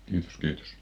kiitos kiitos